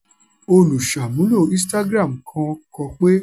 Olùṣàmúlò Instagram kan kọ pé: